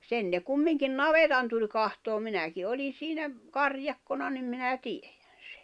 sen ne kumminkin navetan tuli katsomaan minäkin olin siinä karjakkona niin minä tiedän sen